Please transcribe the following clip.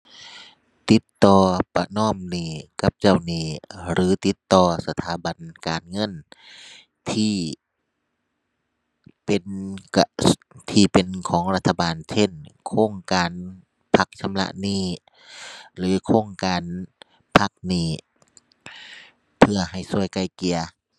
ติดต่อประนอมหนี้กับเจ้าหนี้หรือติดต่อสถาบันการเงินที่เป็นกะ ที่เป็นของรัฐบาล เช่น โครงการพักชำระหนี้หรือโครงการพักหนี้ เพื่อให้ช่วยไกล่เกลี่ย